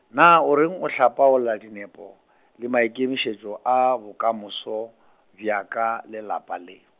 naa, o reng o hlapaola dinepo, le maikemišetšo a bokamoso, bjaka le lapa le.